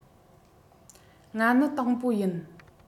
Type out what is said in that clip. ང ནི དང པོ ཡིན